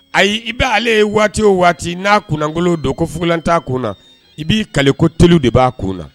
Ayi i bɛ ale ye waati o waati n'a kungolo don kougulanta kun na i b'i kaliko telilu de b'a kun na